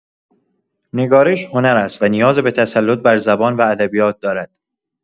نگارش هنر است و نیاز به تسلط بر زبان و ادبیات دارد.